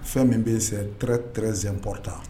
Fɛn min bɛ se- tɛ zanepta